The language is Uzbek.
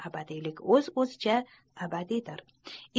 abadiylik o'z o'zicha abadiydir